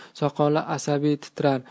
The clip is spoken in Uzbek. soqoli asabiy titrar